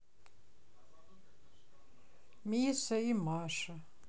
миса и маша